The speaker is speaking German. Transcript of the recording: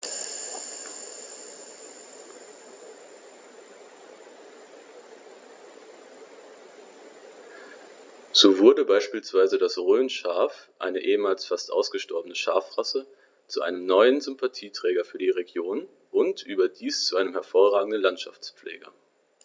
So wurde beispielsweise das Rhönschaf, eine ehemals fast ausgestorbene Schafrasse, zu einem neuen Sympathieträger für die Region – und überdies zu einem hervorragenden Landschaftspfleger.